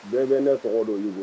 Bɛɛ bɛ ne tɔgɔ dɔn, Yugo.